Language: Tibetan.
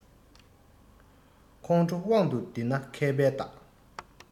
ཁོང ཁྲོ དབང དུ འདུས ན མཁས པའི རྟགས